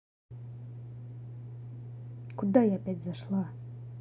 куда я опять зашла